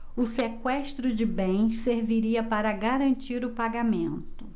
o sequestro de bens serviria para garantir o pagamento